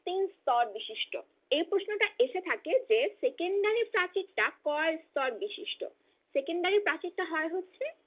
তিন স্তর বিশিষ্ট এ প্রশ্নটা এসে থাকে যে সেকেন্ডারি প্রাচীর কয় স্তর বিশিষ্ট সেকেন্ডারি প্রাচীরটা হয় হচ্ছে